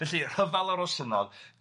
Felly rhyfal a rhosynnog, dau deulu.